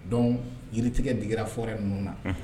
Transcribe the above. Donc jiritigɛ digira forêt ninnu na, un.